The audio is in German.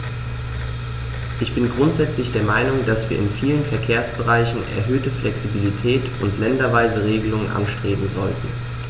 Ich bin grundsätzlich der Meinung, dass wir in vielen Verkehrsbereichen erhöhte Flexibilität und länderweise Regelungen anstreben sollten.